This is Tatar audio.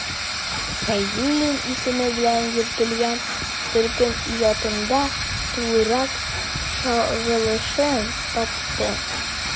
Фәйзуллин исеме белән йөртелгән төркем иҗатында тулырак чагылышын тапты.